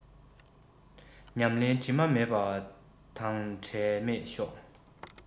ཉམས ལེན དྲི མ མེད དང འབྲལ མེད ཤོག